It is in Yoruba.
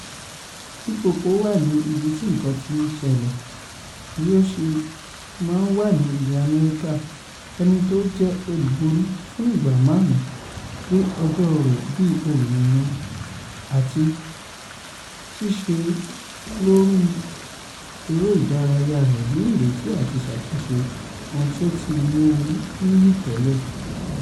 Dípò kò wà ní ibi tí nǹkan tí ń ṣelẹ̀, bí ó ti ṣe máa ń wà ní ilẹ̀ Amẹ́ríkà, ẹni tí ó ti jẹ́ olùborí fún ìgbà márùn ún pín ọjọ́ rẹ̀ bíi olùwòran àti ṣíṣẹ́ lórí i eré ìdárayá rẹ̀ ní ìrètí àti ṣàtúnṣe ohun tí ó ti mú u ní iyì tẹ́lẹ̀.